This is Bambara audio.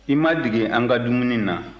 i ma dege an ka dumuni na